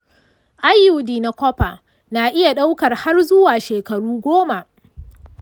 iud na copper na iya ɗaukar har zuwa shekaru goma.